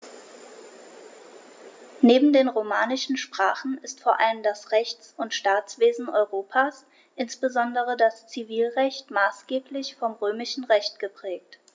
Neben den romanischen Sprachen ist vor allem das Rechts- und Staatswesen Europas, insbesondere das Zivilrecht, maßgeblich vom Römischen Recht geprägt.